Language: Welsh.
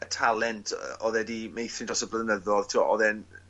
y talent o- odd e 'di meithrin dros y blynyddodd t'wo' odd e'n